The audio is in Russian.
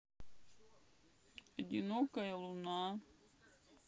одинокая луна